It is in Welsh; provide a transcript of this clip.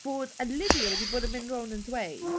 bod Olivia wedi bod yn mynd rownd yn dweud...